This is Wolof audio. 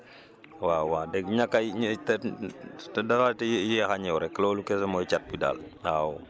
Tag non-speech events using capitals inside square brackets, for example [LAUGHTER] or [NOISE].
[BREATH] waaw waa dëgg ñàkk a ñë te [HESITATION] te dafa te yéex a ñëw rek loolu kese mooy cat wi daal waaw